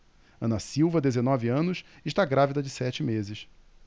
ana silva dezenove anos está grávida de sete meses